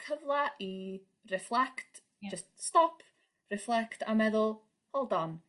cyfla i reflect jyst stop reflect a meddwl hold on